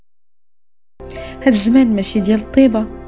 الزمن مشيدين طيبه